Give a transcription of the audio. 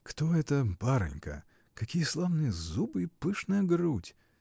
— Кто эта барынька: какие славные зубы и пышная грудь?